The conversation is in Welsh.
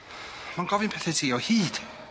Ma'n gofyn pethe ti o hyd.